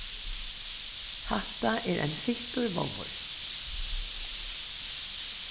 hatta er ein fittur vovvur